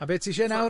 A be ti isie nawr?